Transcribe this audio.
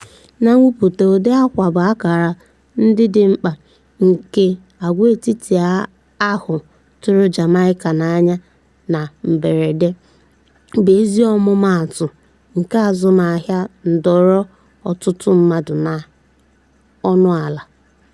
Na mwepụta ụdị akwa bu ákàrà ndị dị mkpa nke agwaetiti ahụ tụrụ Jamaica n'anya na mberede bụ ezi ọmụmaatụ nke azụmahịa ndọrọ ọtụtụ mmadụ n'ọnụ ala.